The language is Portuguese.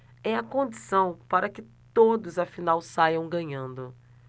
é a condição para que todos afinal saiam ganhando